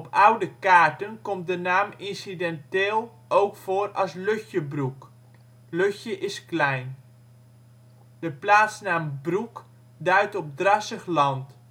oude kaarten komt de naam incidenteel ook voor als Lutjebroek (lutje = klein). De plaatsnaam Broek duidt op drassig land